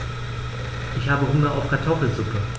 Ich habe Hunger auf Kartoffelsuppe.